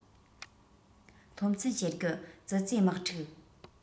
སློབ ཚན ཞེ དགུ ཙི ཙིའི དམག འཁྲུག